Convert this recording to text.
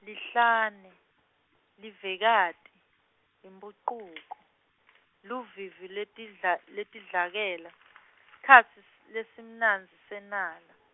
Lihlane, Livekati, Imphucuko, luvivi lwetidla- lwetidlakela, sikhatsi s-, lesimnandzi senala.